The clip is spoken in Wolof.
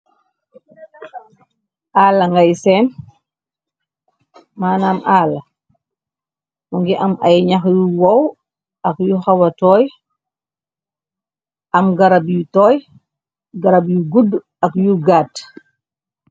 Alla ngay seen, maanaam àlla, mu ngi am ay ñax yu woow ak yu xawa tooy. Am garab yu tooy, garab yu guddu ak yu gaat.